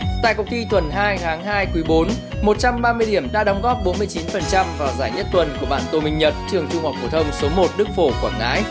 tại cuộc thi tuần hai tháng hai quý bốn một trăm ba mươi điểm đã đóng góp bốn mươi chín phần trăm vào giải nhất tuần của bạn tô minh nhật trường trung học phổ thông số một đức phổ quảng ngãi